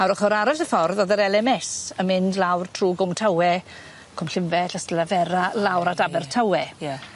A'r ochor arall y ffordd o'dd yr El Em Ess yn mynd lawr trw Gwmtawe Cwmllynfell, Ystalyfera, lawr at Abertawe. Ie.